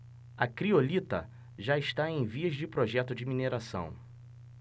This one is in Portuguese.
a criolita já está em vias de projeto de mineração